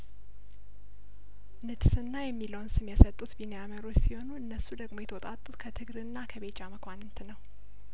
ንድስና የሚለውን ስም የሰጡት ቢኒ አመሮች ሲሆኑ እነሱ ደግሞ የተውጣጡት ከትግርና ከቤጃ መኳንንት ነው